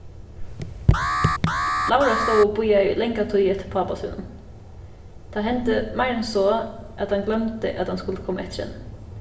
laura stóð og bíðaði í langa tíð eftir pápa sínum tað hendi meira enn so at hann gloymdi at hann skuldi koma eftir henni